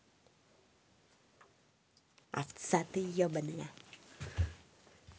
овца ты ебаная